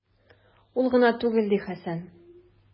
Ул гына түгел, - ди Хәсән.